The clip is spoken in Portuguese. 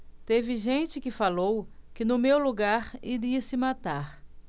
teve gente que falou que no meu lugar iria se matar